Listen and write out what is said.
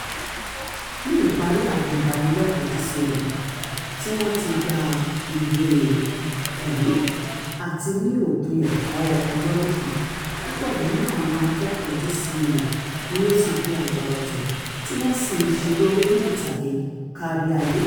Ní ìparí àwọn ìdánilẹ́kọ̀ọ́ọ DCMA, tí wọ́n ti gba ìwé ẹ̀rí àti ní òpin ẹ̀kọ́ ọlọ́dún kan, púpọ̀ nínú àwọn akẹ́kọ̀ọ́ọ DCMA ni ó ti di àgbà ọ̀jẹ́ tí wọ́n sì í ṣeré lórí ìtàgé kárí ayé.